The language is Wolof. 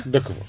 dëkk fa